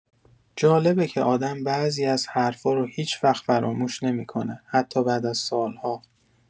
جالبه که آدم بعضی از حرفا رو هیچ‌وقت فراموش نمی‌کنه، حتی بعد از سال‌ها.